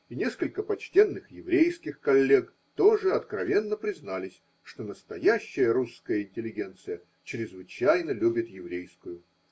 – и несколько почтенных еврейских коллег тоже откровенно признались, что настоящая русская интеллигенция чрезвычайно любит еврейскую.